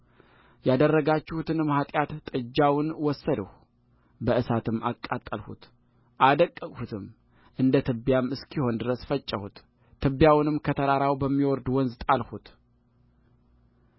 ያደረጋችሁትንም ኃጢአት ጥጃውን ወሰድሁ በእሳትም አቃጠልሁት አደቀቅሁትም እንደ ትቢያም እስኪሆን ድረስ ፈጨሁት ትቢያውንም ከተራራ በሚወርድ ወንዝ ጣልሁት